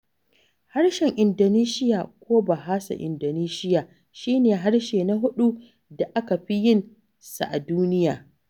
Harshen Indonesia ko Bahasa Indonesia shi ne harshe na huɗu da aka fi yin sa a duniya.